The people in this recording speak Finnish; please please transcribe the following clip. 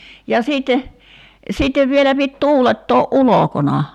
ja sitten sitten vielä piti tuulettaa ulkona